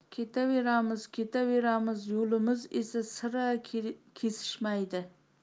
ketaveramiz ketaveramiz yo'limiz esa sira kesishmaydi